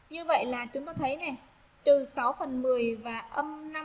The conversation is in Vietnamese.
như vậy là chúng nó thấy từ và âm u